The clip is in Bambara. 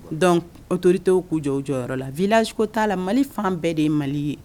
Dɔnc oto tɛ k'u jɔ jɔyɔrɔyɔrɔ la vilazko t'a la mali fan bɛɛ de ye mali ye